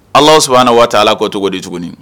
Ala sɔnna waati ala kɔ cogo di tuguni